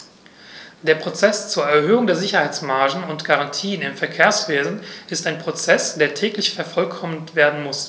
Der Prozess zur Erhöhung der Sicherheitsmargen und -garantien im Verkehrswesen ist ein Prozess, der täglich vervollkommnet werden muss.